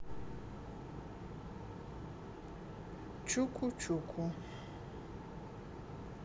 чуку чуку